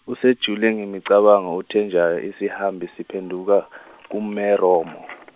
usejule ngemicabango uTajewo isihambi siphenduka kuMeromo.